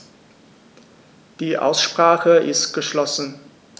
Die Aussprache ist geschlossen.